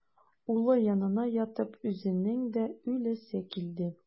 Улы янына ятып үзенең дә үләсе килде.